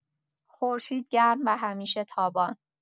خورشید گرم و همیشه تابان